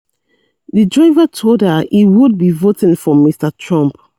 The driver told her he would be voting for Mr. Trump.